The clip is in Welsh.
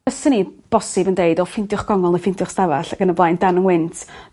Byswn i bosib yn deud o ffindiwch gornel neu ffindiwch stafell ag yn y blaen dan 'yn wynt.